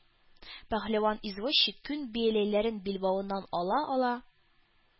Пәһлеван извозчик күн бияләйләрен билбавыннан ала-ала: